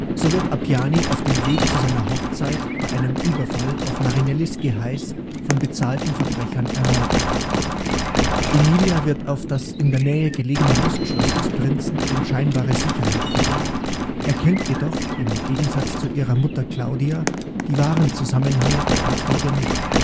So wird Appiani auf dem Weg zu seiner Hochzeit bei einem Überfall auf Marinellis Geheiß von bezahlten Verbrechern ermordet. Emilia wird auf das in der Nähe gelegene Lustschloss des Prinzen in scheinbare Sicherheit gebracht, erkennt jedoch im Gegensatz zu ihrer Mutter Claudia die wahren Zusammenhänge der Intrige nicht